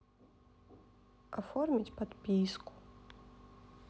оформить подписку